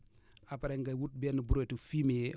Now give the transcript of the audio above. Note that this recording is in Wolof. après nga wut benn brouette fumier